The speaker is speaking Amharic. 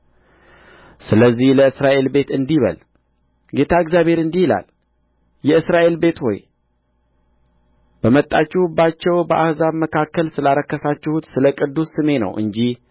ስለዚህ ለእስራኤል ቤት እንዲህ በል ጌታ እግዚአብሔር እንዲህ ይላል የእስራኤል ቤት ሆይ በመጣችሁባቸው በአሕዛብ መካከል ስላረከሳችሁት ስለ ቅዱስ ስሜ ነው እንጂ